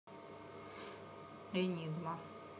enigma